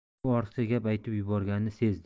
u ortiqcha gap aytib yuborganini sezdi